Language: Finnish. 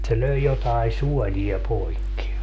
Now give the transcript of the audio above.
se löi jotakin suolia poikki